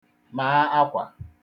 ma akwa